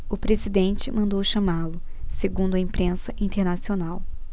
o presidente mandou chamá-lo segundo a imprensa internacional